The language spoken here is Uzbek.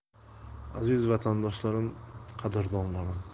aziz vatandoshlarim qadrdonlarim